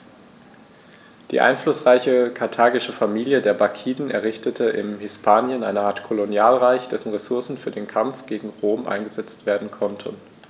Die einflussreiche karthagische Familie der Barkiden errichtete in Hispanien eine Art Kolonialreich, dessen Ressourcen für den Kampf gegen Rom eingesetzt werden konnten.